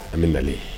An bɛ n'ale.